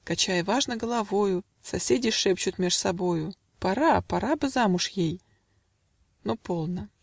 Качая важно головою, Соседи шепчут меж собою: Пора, пора бы замуж ей!. Но полно.